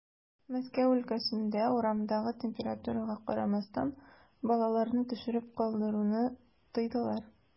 Мәскәү өлкәсендә, урамдагы температурага карамастан, балаларны төшереп калдыруны тыйдылар.